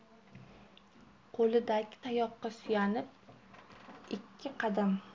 qo'lidagi tayoqqa suyanib ikki qadam